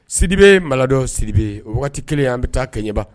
Sidibibe madɔ sidibi waati kelen y an bɛ taa kɛɲɛba